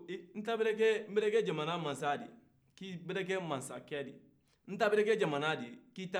i bada kɛ masakɛ di n ta bɛdɛkɛ jamana di i ta bɛdɛkɛ jamana di